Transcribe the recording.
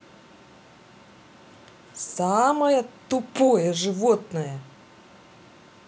самое тупое животное